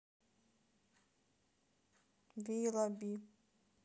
вилоби